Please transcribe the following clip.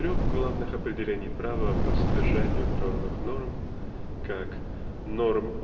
Из трех главных определений права по содержанию правовых норм как норм